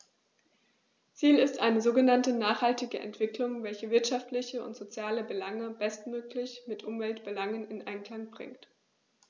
Ziel ist eine sogenannte nachhaltige Entwicklung, welche wirtschaftliche und soziale Belange bestmöglich mit Umweltbelangen in Einklang bringt.